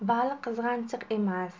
vali qizg'anchiq emas